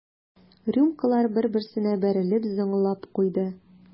Рюмкалар бер-берсенә бәрелеп зыңлап куйды.